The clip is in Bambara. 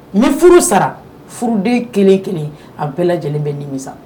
Ni furu sara furuden kelen-kelen a bɛɛ lajɛlen bɛ nimisa